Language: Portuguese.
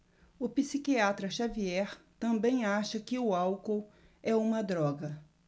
o psiquiatra dartiu xavier também acha que o álcool é uma droga